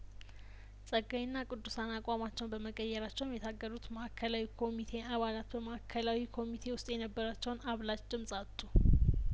ጸጋዬና ቅዱሳን አቋማቸውን በመቀየራቸውም የታገዱት ማእከላዊ ኮሚቴ አባላት በማእከላዊ ኮሚቴ ውስጥ የነበራቸውን አብላጭ ድምጽ አጡ